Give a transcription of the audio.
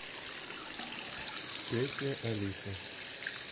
песня алиса